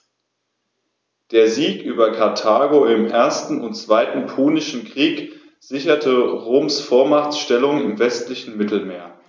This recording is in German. Der Sieg über Karthago im 1. und 2. Punischen Krieg sicherte Roms Vormachtstellung im westlichen Mittelmeer.